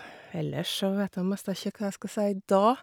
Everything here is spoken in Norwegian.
Eller så vet jeg nesten ikke hva jeg skal si da.